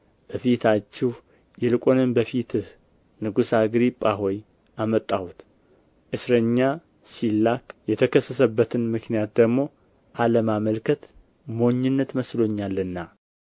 በፊታችሁ ይልቁንም በፊትህ ንጉሥ አግሪጳ ሆይ አመጣሁት እስረኛ ሲላክ የተከሰሰበትን ምክንያት ደግሞ አለማመልከት ሞኝነት መስሎኛልና